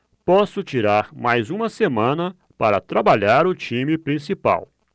posso tirar mais uma semana para trabalhar o time principal